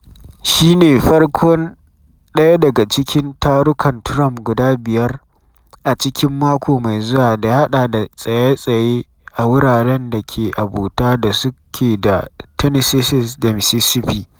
“Shi ne farkon daya daga cikin tarukan Trump guda biyar a cikin mako mai zuwa da ya hada da tsaye-tsaye a wuraren da ke abota da suka da Tennessee da Mississippi.